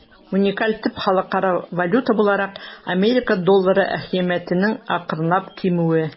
Уникаль төп халыкара валюта буларак Америка доллары әһәмиятенең акрынлап кимүе.